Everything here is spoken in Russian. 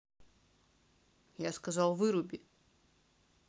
я сказал выруби